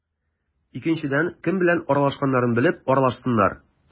Икенчедән, кем белән аралашканнарын белеп аралашсыннар.